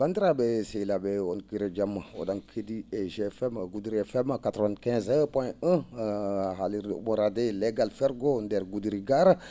banndiraa?e sehilaa?e on kiirii e jam o?on ke?ii GFM Goudiri FM 95 POINT 1 haalirde ?ooraade le?gal fergo ndeer Goudiri Gaara